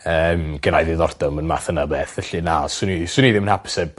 yym genna' i ddiddordeb yn math yna o beth felly na swn i swn i ddim yn hapus heb